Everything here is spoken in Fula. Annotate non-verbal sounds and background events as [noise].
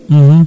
[hesitation] [hesitation]